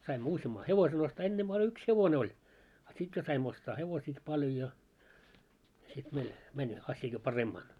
saimme useamman hevosen ostaa ennempää oli yksi hevonen oli a sitten jo sain ostaa hevosiakin paljon ja sitten meillä meni asia jo paremmin